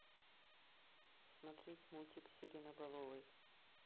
смотреть мультик сиреноголовый